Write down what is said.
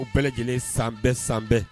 O bɛɛlɛ lajɛlen san bɛɛ san bɛɛ